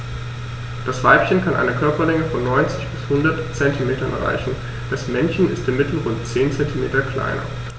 Das Weibchen kann eine Körperlänge von 90-100 cm erreichen; das Männchen ist im Mittel rund 10 cm kleiner.